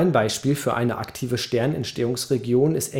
Beispiel für eine aktive Sternentstehungsregion ist